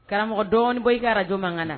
Karamɔgɔ dɔn i ka araj manga na